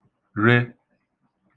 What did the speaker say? re